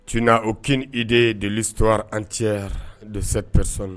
Tiɲɛ na ok i de de sɔrɔ an cɛ dɛsɛpres